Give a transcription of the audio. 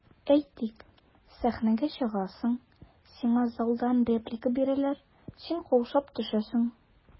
Әйтик, сәхнәгә чыгасың, сиңа залдан реплика бирәләр, син каушап төшәсең.